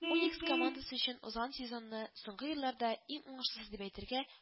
УНИКС командасы өчен узган сезонны соңгы елларда иң уңышсыз дип әйтергә